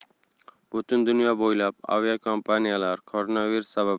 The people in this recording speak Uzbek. butun dunyo bo'ylab aviakompaniyalar koronavirus